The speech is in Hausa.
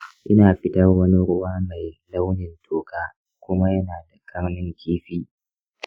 ina fitar wani ruwa mai launin toka kuma yana da ƙarnin kifi.